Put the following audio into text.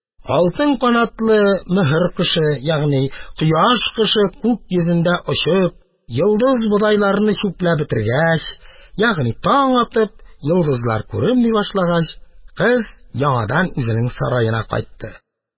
Алтын канатлы мөһер кошы күк йөзендә очып, йолдыз-бодайларны чүпләп бетергәч, ягъни таң атып, йолдызлар күренми башлагач, кыз яңадан үзенең сараена кайтты.